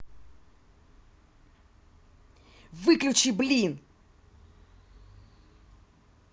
выключи блин